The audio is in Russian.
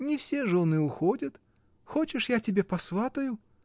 — Не все жены уходят: хочешь, я тебе посватаю?